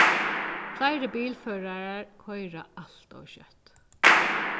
fleiri bilførarar koyra alt ov skjótt